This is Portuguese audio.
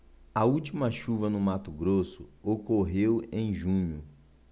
a última chuva no mato grosso ocorreu em junho